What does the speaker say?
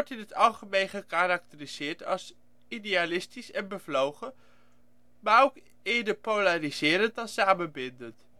het algemeen gekarakteriseerd als idealistisch en bevlogen, maar ook eerder polariserend dan samenbindend